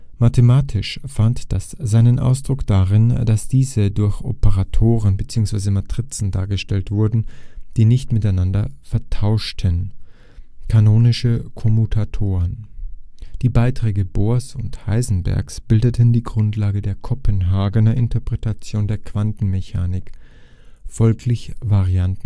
Mathematisch fand das seinen Ausdruck darin, dass diese durch Operatoren bzw. Matrizen dargestellt wurden, die nicht miteinander vertauschten (kanonische Kommutatoren). Die Beiträge Bohrs und Heisenbergs bildeten die Grundlage der Kopenhagener Interpretation der Quantenmechanik. In